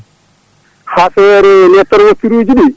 affaire les préinscris ji ɗi